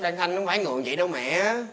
đan thanh không phải người dậy đâu mẹ